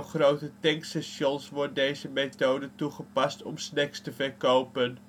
grote tankstations wordt deze methode toegepast om snacks te verkopen